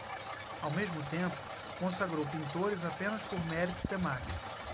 ao mesmo tempo consagrou pintores apenas por mérito temático